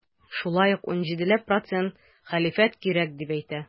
Шулай ук 17 ләп процент хәлифәт кирәк дип әйтә.